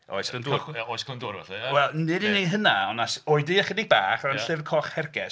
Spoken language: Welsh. Oes Glyndŵr... Cychwyn oes Glyndŵr felly, ia?... Wel nid yn unig, hynna ond oedi chydig bach o ran Llyfr Coch Hergest.